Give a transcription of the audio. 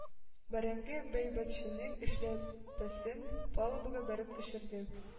Бәрәңге байбәтчәнең эшләпәсен палубага бәреп төшерде.